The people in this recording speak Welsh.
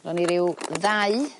ro' ni ryw ddau